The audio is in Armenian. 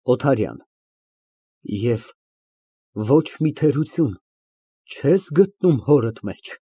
ՕԹԱՐՅԱՆ ֊ Եվ ո՞չ մի թերություն չես գտնում հորդ մեջ։